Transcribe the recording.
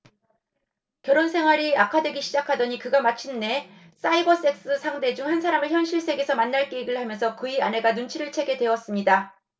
결혼 생활이 악화되기 시작하더니 그가 마침내 사이버섹스 상대 중 한 사람을 현실 세계에서 만날 계획을 하면서 그의 아내가 눈치를 채게 되었습니다